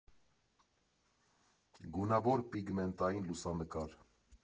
Գունավոր պիգմենտային լուսանկար։